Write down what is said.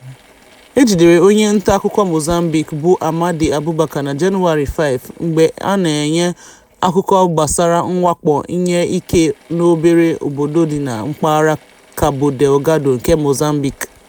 E jidere onye ntaakụkọ Mozambique bụ Amade Abubacar na Jenụwarị 5, mgbe ọ na-enye akụkọ gbasara mwakpo ihe ike n'obere obodo dị na mpaghara Cabo Delgado nke Mozambique.